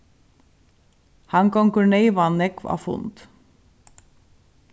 hann gongur neyvan nógv á fund